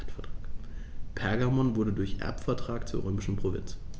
Pergamon wurde durch Erbvertrag zur römischen Provinz.